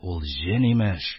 «ул җен имеш,